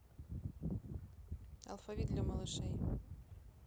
алфавит для малышей